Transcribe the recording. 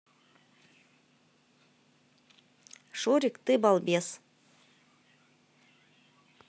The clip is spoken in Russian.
шурик ты балбес